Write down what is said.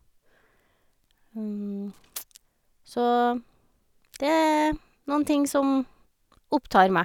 Så det er noen ting som opptar meg.